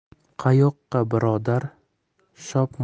qayoqqa birodar shop